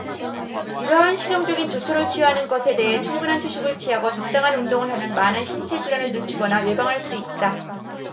이러한 실용적인 조처를 취하는 것에 더해 충분한 휴식을 취하고 적당한 운동을 하면 많은 신체 질환을 늦추거나 예방할 수 있다